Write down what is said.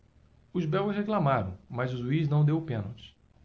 os belgas reclamaram mas o juiz não deu o pênalti